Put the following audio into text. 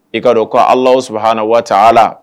I ka don ko alaaw su hana waati a la